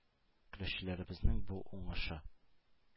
Көрәшчеләребезнең бу уңышы –